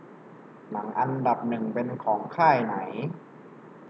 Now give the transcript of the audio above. หนังอันดับหนึ่งเป็นของค่ายไหน